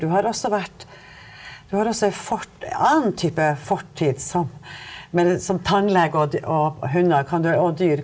du har også vært du har også ei ei annen type fortid som men som tannlege og og hunder kan du og dyr.